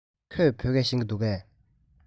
ཁོས བོད སྐད ཤེས ཀྱི འདུག གས